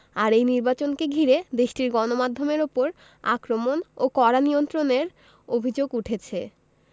আর এই নির্বাচনকে ঘিরে দেশটির গণমাধ্যমের ওপর আক্রমণ ও কড়া নিয়ন্ত্রণের অভিযোগ উঠেছে